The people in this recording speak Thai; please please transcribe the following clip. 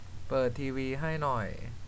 เปิดทีวีให้หน่อย